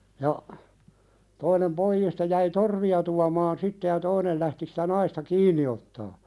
ja toinen pojista jäi torvia tuomaan sitten ja toinen lähti sitä naista kiinni ottamaan